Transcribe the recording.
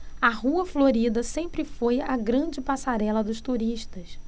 a rua florida sempre foi a grande passarela dos turistas